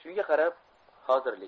shunga qarab